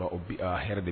Bi a hɛrɛ de